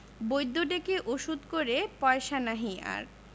বৈদ্য ডেকে ওষুধ করে পয়সা নাহি আর